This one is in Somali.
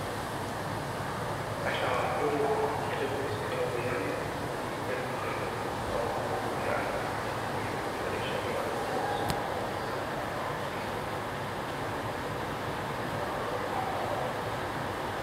Meeshan waxaa ku yaal guri bile ah oo midabkiis yahay jaalo iyo caddaan waxa uu leeyahay meel daaqado ah